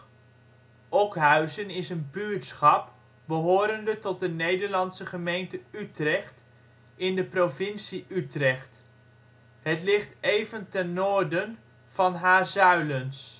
buurtschap behorende tot de Nederlandse gemeente Utrecht, in de provincie Utrecht. Het ligt aan even ten noorden van Haarzuilens